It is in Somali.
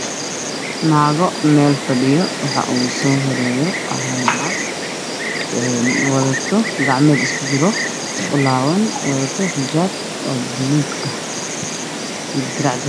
Waa islaamo meel fadhiyaan waxa ay wataan xijaabo waxa ay ku fadhiyaan kuraas guduud ah waana hool meesha ay fadhiyaan